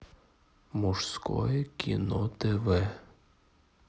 мужское кино тв